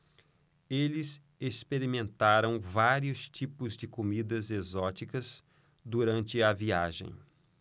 eles experimentaram vários tipos de comidas exóticas durante a viagem